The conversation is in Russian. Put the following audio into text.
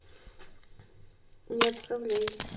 не отправляй